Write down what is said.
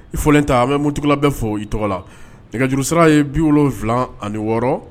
I fɔlen tɛ an bɛ mutula bɛ fɔ i tɔgɔ la nɛgɛjuru sira ye bi wolonwula ani wɔɔrɔ